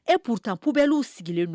E p'u tan pu bɛ'u sigilen don